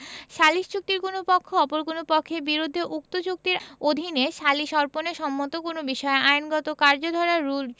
সালিস চুক্তির কোন পক্ষ অপর কোন পক্ষের বিরুদ্ধে উক্ত চুক্তির অধীনৈ সালিস অর্পণে সম্মত কোন বিষয়ে আইনগত কার্যধারা রুজু